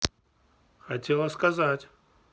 хотела сказать